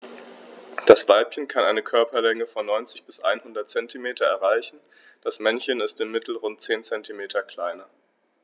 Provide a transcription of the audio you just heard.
Das Weibchen kann eine Körperlänge von 90-100 cm erreichen; das Männchen ist im Mittel rund 10 cm kleiner.